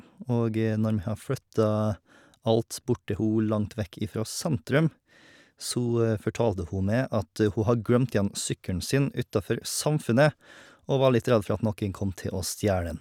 Og når vi har flytta alt bort til ho langt vekk ifra sentrum, så fortalte hun meg at hun har glemt igjen sykkelen sin utafor Samfundet, og var litt redd for at noen kom til å stjele den.